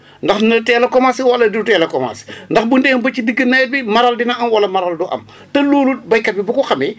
ndax na teel a commencé wala du teel a commencé ndax bu ñu demee ba ci digg nawet bi maral dina am wala maral du am te loolu béykat bi bu ko xamee